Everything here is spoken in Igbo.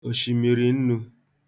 òshìmìrì nnū